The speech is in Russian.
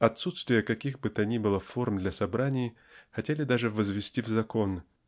Отсутствие каких бы то ни было форм для собраний хотели даже возвести в закон